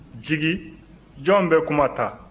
jigi jɔn bɛ kuma ta